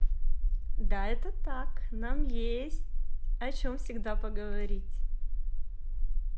да это так нам есть о чем всегда поговорить